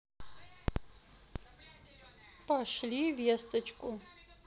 пошли весточку